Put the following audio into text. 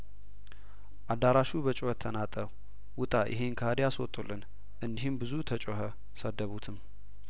አዳራሹ በጩኸት ተናጠ ውጣ ይሄን ከሀዲ አስወጡ ልን እንዲ ህም ብዙ ተጮኸ ሰደቡትም